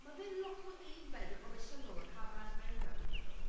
Mae fe lot mwy aeddfed yn emosiynol na pawb arall mewn 'na, fi'n meddwl.